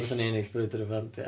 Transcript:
Wnaethon ni ennill Brwydr y Bandiau.